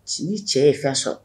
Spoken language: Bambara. Sini cɛ ye fɛn sɔrɔ